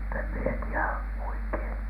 mutta en minä tiedä oikein